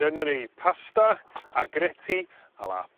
Dyna ni pasta agretti a la...